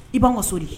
I b' ka so de kɛ